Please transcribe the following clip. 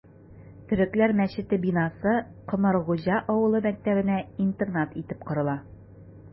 Төрекләр мәчете бинасы Комыргуҗа авылы мәктәбенә интернат итеп корыла...